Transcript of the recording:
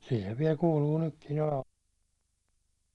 sillä se vielä kuuluu nytkin olevan